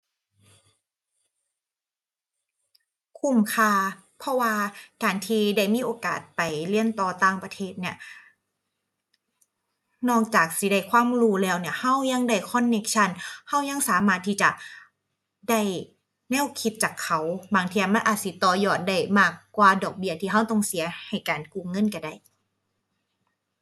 คุ้มค่า เพราะว่าการที่ได้มีโอกาสไปเรียนต่อต่างประเทศเนี่ย นอกจากสิได้ความรู้แล้วเนี่ยเรายังได้ connection เรายังสามารถที่จะได้แนวคิดจากเขา บางเที่ยมันอาจสิต่อยอดได้มากกว่าดอกเบี้ยที่เราต้องเสียให้การกู้เงินเราได้